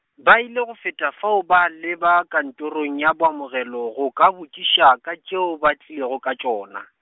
ba ile go feta fao ba leba kantorong ya boamogelo, go ka botšiša ka tšeo ba tlilego ka tšona.